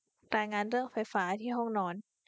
รายงานเรื่องไฟฟ้าที่ห้องนอน